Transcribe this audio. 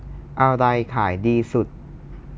อะไรขายดีที่สุด